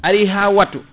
ari ha wattu